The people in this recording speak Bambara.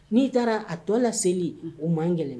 N'i taara a tɔ laeli u man gɛlɛn